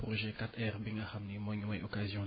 projet 4R bi nga xam ni moo ñu may occasion